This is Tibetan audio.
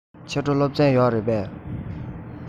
ཕྱི དྲོ སློབ ཚན ཡོད རེད པས